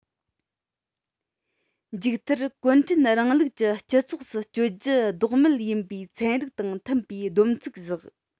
མཇུག མཐར གུང ཁྲན རིང ལུགས ཀྱི སྤྱི ཚོགས སུ བསྐྱོད རྒྱུ ལྡོག མེད ཡིན པའི ཚན རིག དང མཐུན པའི སྡོམ ཚིག བཞག